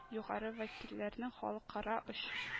Югары вәкилләрнең халыкара оч